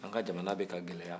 an ka jamana bɛ ka gɛlɛya